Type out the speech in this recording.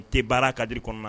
Te baara cadre kɔnɔna na.